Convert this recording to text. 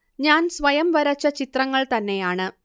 ഞാൻ സ്വയം വരച്ച ചിത്രങ്ങൾ തന്നെയാണ്